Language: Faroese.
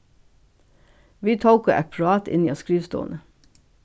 vit tóku eitt prát inni á skrivstovuni